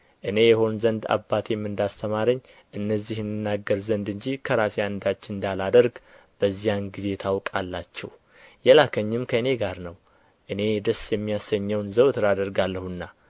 እኔ እሆን ዘንድ አባቴም እንዳስተማረኝ እነዚህን እናገር ዘንድ እንጂ ከራሴ አንዳች እንዳላደርግ በዚያን ጊዜ ታውቃላችሁ የላከኝም ከእኔ ጋር ነው እኔ ደስ የሚያሰኘውን ዘወትር አደርጋለሁና